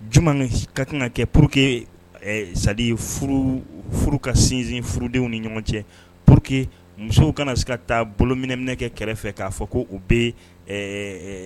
Jumɛn ka kan ka kɛ pour que ɛ C'est à dire furu ka sinsin furudenw ni ɲɔgɔn cɛ pour que musow kana se ka taa bolominɛ minɛ kɛ kɛrɛfɛ k'a fɔ ko u bɛ ɛ